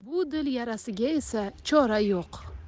bu dil yarasiga esa chora yo'q